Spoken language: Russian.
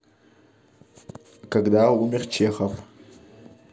когда умер чехов